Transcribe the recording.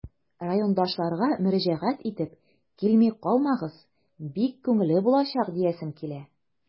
Райондашларга мөрәҗәгать итеп, килми калмагыз, бик күңелле булачак диясем килә.